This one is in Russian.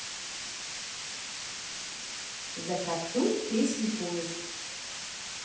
за cartoon песню поезд